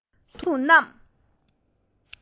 གཟིམ ཁང དུ བསྣམས